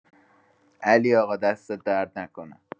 علی‌آقا، دستت درد نکنه.